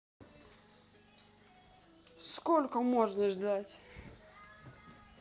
сколько можно ждать